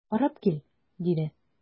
Карап кил,– диде.